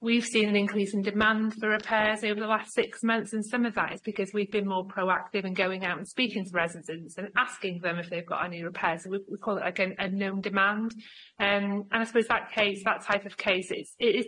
We've seen an increase in demand for repairs over the last six months and some of that is because we've been more proactive in going out and speaking to residents and asking them if they've got any repairs and we we call it like an known demand and and I suppose that case that type of case is it is